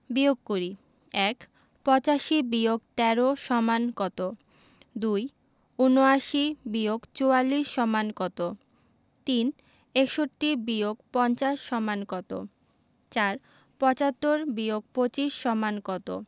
বিয়োগ করিঃ ১ ৮৫-১৩ = কত ২ ৭৯-৪৪ = কত ৩ ৬১-৫০ = কত ৪ ৭৫-২৫ = কত